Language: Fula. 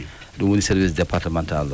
ɗum woni service départemental oo